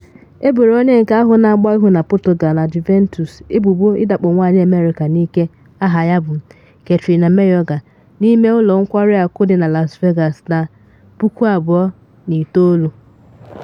Eboro onye nke ahụ na-agba ihu na Portugal na Juventus ebubo idakpo nwanyị America n’ike aha ya bụ Kathryn Mayorga, n’ime ụlọ ụlọ nkwari akụ dị na Las Vegas, na 2009.